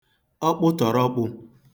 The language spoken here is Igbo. ọkpụtọ̀rọkpụ̄